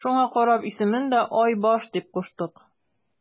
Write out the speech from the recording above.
Шуңа карап исемен дә Айбаш дип куштык.